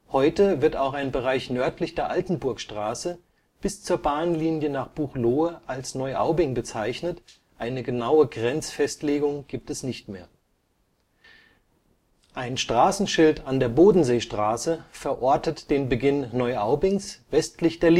Heute wird auch ein Bereich nördlich der Altenburgstraße, bis zur Bahnlinie nach Buchloe als Neuaubing bezeichnet, eine genaue Grenzfestlegung gibt es nicht mehr. Ein Straßenschild an der Bodenseestraße verortet den Beginn Neuaubings westlich der